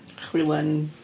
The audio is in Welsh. Chwilen.